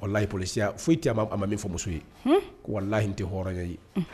Walahi, polisiya foyi tɛ yen a ma min fɔ muso ye; Unhun; Walahi ni tɛ hɔrɔnya ye.